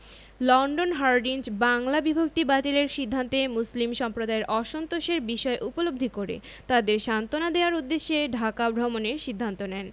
London Hardinge Bangla বিভক্তি বাতিলের সিদ্ধান্তে মুসলিম সম্প্রদায়ের অসন্তোষের বিষয় উপলব্ধি করে তাদের সান্ত্বনা দেওয়ার উদ্দেশ্যে ঢাকা ভ্রমণের সিদ্ধান্ত নেন